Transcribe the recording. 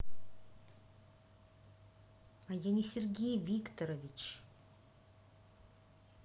а я не сергей викторович